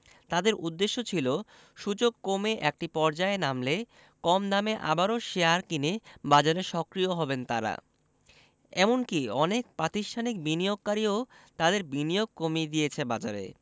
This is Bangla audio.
তাঁদের উদ্দেশ্য ছিল সূচক কমে একটি পর্যায়ে নামলে কম দামে আবারও শেয়ার কিনে বাজারে সক্রিয় হবেন তাঁরা এমনকি অনেক প্রাতিষ্ঠানিক বিনিয়োগকারীও তাদের বিনিয়োগ কমিয়ে দিয়েছে বাজারে